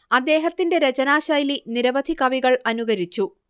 അദ്ദേഹത്തിന്റെ രചനാശൈലി നിരവധി കവികൾ അനുകരിച്ചു